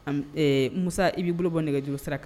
Musa i b'i bolo bɔ nɛgɛjurusira kan